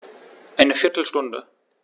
Eine viertel Stunde